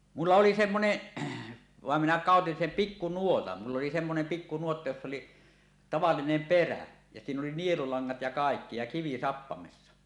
minulla oli semmoinen vaan minä käytin sen pikkunuotan minulla oli semmoinen pikkunuotta jossa oli tavallinen perä ja siinä oli nielulangat ja kaikki ja kivi sappamessa